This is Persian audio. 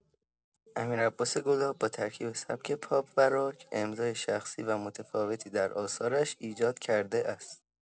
امیرعباس گلاب با ترکیب سبک پاپ و راک، امضای شخصی و متفاوتی در آثارش ایجاد کرده است.